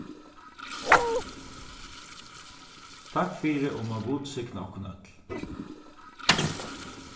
takk fyri og má gud signa okkum øll